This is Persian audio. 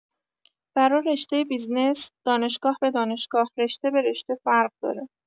برا رشته بیزینس، دانشگاه به دانشگاه، رشته به رشته، فرق داره.